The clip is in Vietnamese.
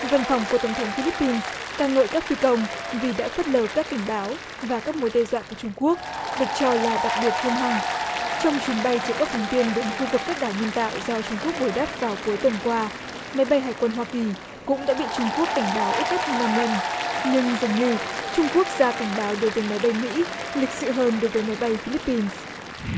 văn phòng của tổng thống phi líp pin ca ngợi các phi công vì đã phớt lờ các cảnh báo và các mối đe dọa của trung quốc được cho là đặc biệt hung hăng trong chuyến bay chở các phóng viên đến khu vực cách đảo nhân tạo do trung quốc bồi đắp vào cuối tuần qua máy bay hải quân hoa kỳ cũng đã bị trung quốc cảnh báo ít nhất năm lần nhưng dường như trung quốc gia cảnh báo đối với máy bay mỹ lịch sự hơn đối với máy bay phi líp pin